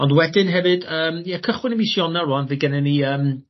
Ond wedyn hefyd yym ie cychwyn ym mis Ionawr rŵan fydd gennyn ni yym